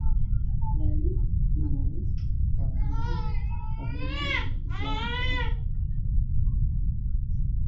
Waa laami midabkiisu yahay midow bajaaj ayaa ka socoto gaari cad geeska ayuu yaalaan